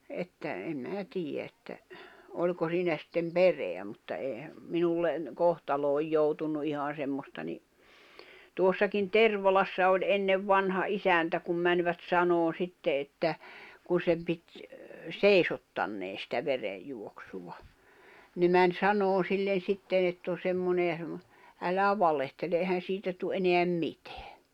että en minä tiedä että oliko siinä sitten perää mutta eihän minulle kohtaloon joutunut ihan semmoista niin tuossakin Tervalassa oli ennen vanha isäntä kun menivät sanomaan sitten että kun sen piti seisottaneen sitä verenjuoksua ne meni sanomaan sille sitten että on semmoinen ja - älä valehtele eihän siitä tule enää mitään